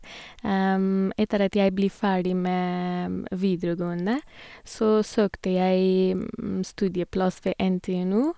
Etter at jeg bli ferdig med videregående, så søkte jeg studieplass ved NTNU.